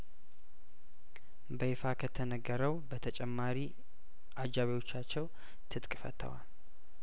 በይፋ ከተነገረው በተጨማሪ አጃቢዎቻቸው ትጥቅ ፈተዋል